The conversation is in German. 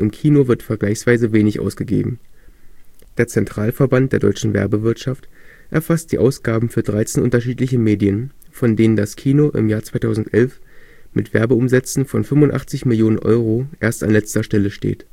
Kino wird vergleichsweise wenig ausgegeben. Der Zentralverband der deutschen Werbewirtschaft erfasst die Ausgaben für 13 unterschiedliche Medien, von denen das Kino im Jahr 2011 mit Werbeumsätzen von 85 Millionen Euro erst an letzter Stelle steht